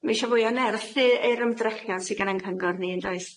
Ma' isio fwy o nerth i i'r ymdrechion sy gan yng nghyngor ni yndoes?